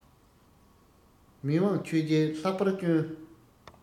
མི དབང ཆོས རྒྱལ ལྷག པར སྐྱོང